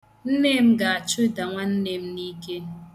Nne m ga-achụda nwanne m n' ike.